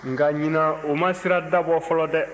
nka ɲinan u ma sira dabɔ fɔlɔ dɛ